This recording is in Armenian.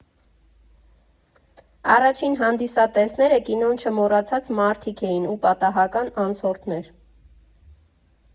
Առաջին հանդիսատեսները կինոն չմոռացած մարդիկ էին ու պատահական անցորդներ։